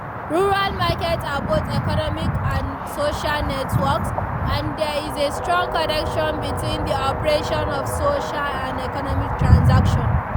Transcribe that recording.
Rural markets are both economic and social networks and there is a strong connection between the operation of social and economic transactions.